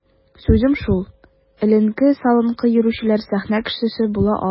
Сүзем шул: эленке-салынкы йөрүчеләр сәхнә кешесе була алмый.